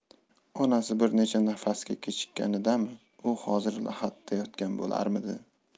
onasi bir necha nafasga kechikkanidami u hozir lahadda yotgan bo'larmidi